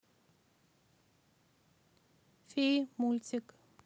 феи мультик